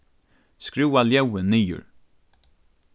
skrúva ljóðið niður